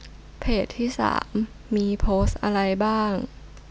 เพจที่สามมีโพสต์อะไรบ้าง